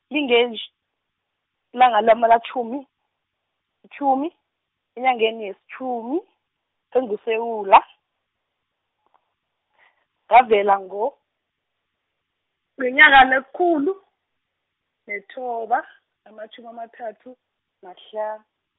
lingentjh-, -langa lama-tjhumi, -tjhumi enyangeni yesi-tjhumi, enguSewula , ngavela ngo, ngelanga lekhulu, nethoba nama-tjhumi mathathu, nakuhla-.